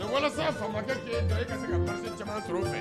Nka walasa faamakɛ kɛ i ka ka masa sɔrɔ